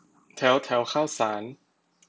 แถวแถวข้าวสาร